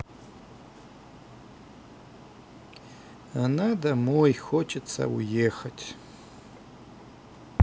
она домой хочется уехать